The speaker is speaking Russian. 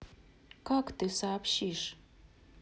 как ты сообщишь